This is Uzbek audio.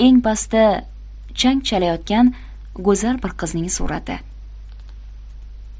eng pastda chang chalayotgan go'zal bir qizning surati